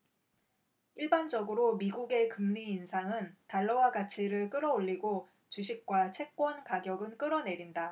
일반적으로 미국의 금리 인상은 달러화 가치를 끌어올리고 주식과 채권 가격은 끌어내린다